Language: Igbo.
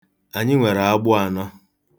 Anyị nwere agbụ anọ.